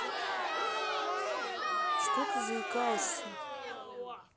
что ты заикаешься